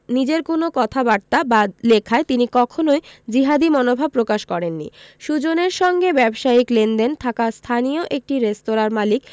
নিজের কোনো কথাবার্তা বা লেখায় তিনি কখনোই জিহাদি মনোভাব প্রকাশ করেননি সুজনের সঙ্গে ব্যবসায়িক লেনদেন থাকা স্থানীয় একটি রেস্তোরাঁর মালিক